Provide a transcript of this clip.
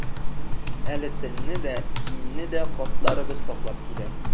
Әле телне дә, динне дә картларыбыз саклап килә.